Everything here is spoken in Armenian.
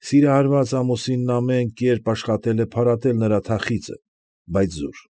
Սիրահարված ամուսինն ամեն կերպ աշխատել է, փարատել նրա թախիծը, բայց զուր։